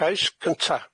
Cais cynta.